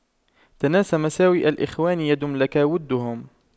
تناس مساوئ الإخوان يدم لك وُدُّهُمْ